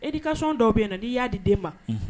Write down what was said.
E kasɔn dɔw bɛ yen yan na' ii ya'a di den ma